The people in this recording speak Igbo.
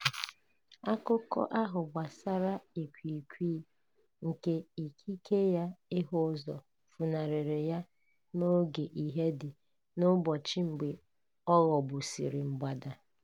Akụkọ ahụ gbasara ikwiikwii nke ikike ya ịhụ ụzọ funarịrị ya n'oge ìhè dị n'ụbọchị mgbe ọ ghọgbusịrị mgbada.